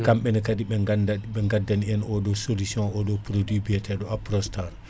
kamɓene kaadi ɓe gandat ɓe gandani en oɗo solution oɗo produit biyateeɗo Aprostar